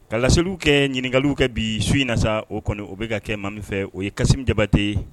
Kalaeliliw kɛ ɲininkakaw kɛ bi su in na sa o kɔni o bɛka ka kɛ ma min fɛ o ye dabate ye